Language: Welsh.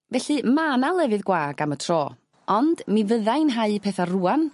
Felly ma' 'na lefydd gwag am y tro ond mi fyddai'n hau petha rŵan